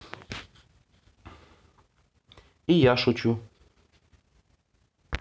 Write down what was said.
и я шучу